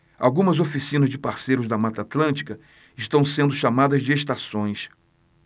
algumas oficinas de parceiros da mata atlântica estão sendo chamadas de estações